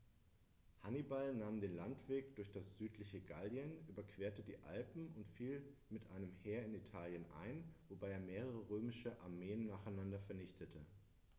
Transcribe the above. Hannibal nahm den Landweg durch das südliche Gallien, überquerte die Alpen und fiel mit einem Heer in Italien ein, wobei er mehrere römische Armeen nacheinander vernichtete.